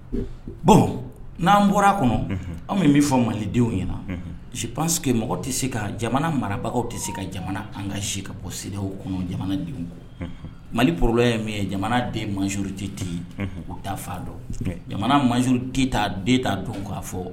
Bɔn n'an bɔra a kɔnɔ anw min' fɔ mali denw ɲɛna si panseke mɔgɔ tɛ se ka jamana marabagaw tɛ se ka jamana an ka si ka bɔw kɔnɔ jamana kɔ maliorola ye min ye jamana den ma tɛ tɛ u bɛ taa fa dɔn jamana ma tɛ den don k ka fɔ